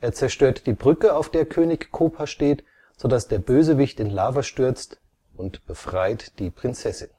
zerstört die Brücke, auf der König Koopa steht, sodass der Bösewicht in Lava stürzt, und befreit die Prinzessin